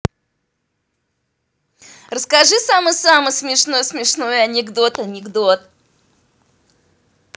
расскажи самый самый смешной смешной анекдот анекдот